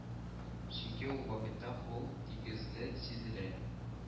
Чөнки ул вакытта хокук тигезлеге сизелә